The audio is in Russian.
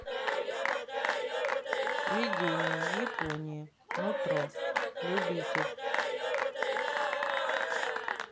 ведение япония нутро любитель